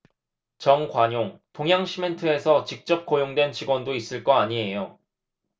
정관용 동양시멘트에서 직접 고용된 직원도 있을 거 아니에요